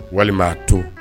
Walim'a to